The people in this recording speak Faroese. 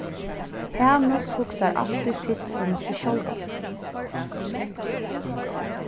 hanus hugsar altíð fyrst um seg sjálvan